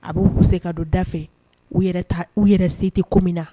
A b'u pousser ka don da fɛ u yɛrɛ ta u yɛrɛ se tɛ ko min na